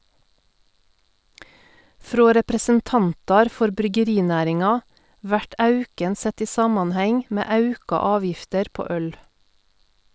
Frå representantar for bryggerinæringa vert auken sett i samanheng med auka avgifter på øl.